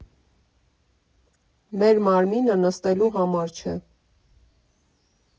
Մեր մարմինը նստելու համար չէ։